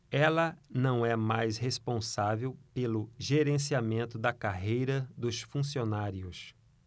ela não é mais responsável pelo gerenciamento da carreira dos funcionários